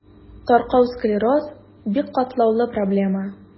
Таркау склероз – бик катлаулы проблема.